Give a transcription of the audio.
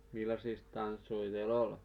minkäslaisia tansseja teillä oli